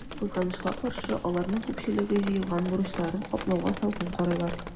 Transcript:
Кызганычка каршы, аларның күпчелеге җыелган бурычларын каплауга салкын карыйлар.